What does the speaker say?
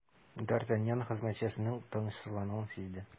Д’Артаньян хезмәтчесенең тынычсызлануын сизде.